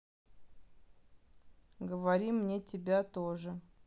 говори мне тебя тоже